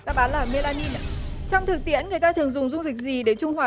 đáp án mê la nin trong thực tiễn người ta thường dùng dung dịch gì để trung hòa